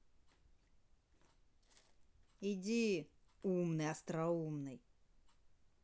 иди умный остроумный